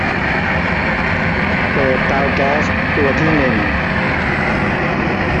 เปิดเตาแก๊สตัวที่หนึ่ง